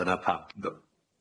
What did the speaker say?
Dyna pam.